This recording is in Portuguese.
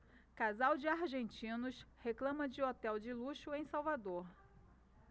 casal de argentinos reclama de hotel de luxo em salvador